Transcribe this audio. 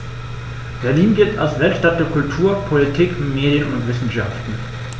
Berlin gilt als Weltstadt der Kultur, Politik, Medien und Wissenschaften.